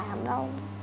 đâu